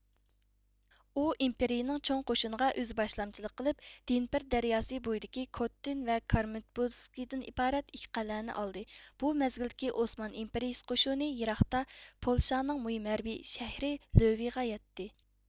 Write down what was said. ئۇ ئىمپېرىيىنىڭ چوڭ قوشۇنىغا ئۆزى باشلامچىلىق قىلىپ دنېپر دەرياسى بويىدىكى كوتتىن ۋە كارمېنبودىسكىدىن ئىبارەت ئىككى قەلئەنى ئالدى بۇ مەزگىلدىكى ئوسمان ئىمپېرىيىسى قوشۇنى يىراقتا پولشىنىڭ مۇھىم ھەربىي شەھىرى لۆۋېغا يەتتى